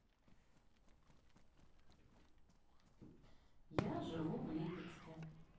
я живу в липецке